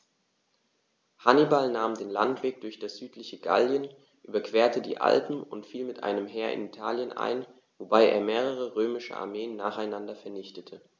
Hannibal nahm den Landweg durch das südliche Gallien, überquerte die Alpen und fiel mit einem Heer in Italien ein, wobei er mehrere römische Armeen nacheinander vernichtete.